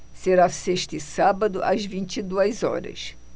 será sexta e sábado às vinte e duas horas